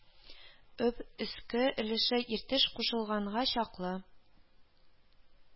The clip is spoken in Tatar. Об өске өлеше Иртеш кушылганга чаклы